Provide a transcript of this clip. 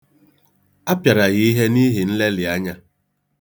A pịara ya ihe n'ihi nlelị anya.